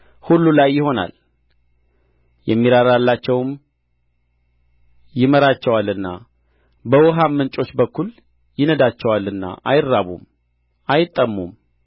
ሁሉ ላይ ይሆናል የሚራራላቸውም ይመራቸዋልና በውኃም ምንጮች በኩል ይነዳቸዋልና አይራቡም አይጠሙም